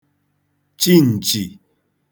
chiǹchì